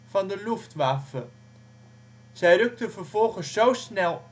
van de Luftwaffe. Zij rukten vervolgens zo snel